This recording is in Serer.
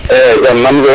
i nam mbiyu koy